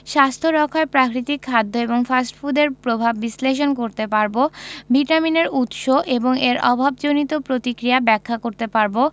স্বাস্থ্য রক্ষায় প্রাকৃতিক খাদ্য এবং ফাস্ট ফুডের প্রভাব বিশ্লেষণ করতে পারব ভিটামিনের উৎস এবং এর অভাবজনিত প্রতিক্রিয়া ব্যাখ্যা করতে পারব